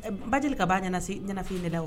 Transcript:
Ɛ Bajelika b'a ɲanasi ɲanafin ne la o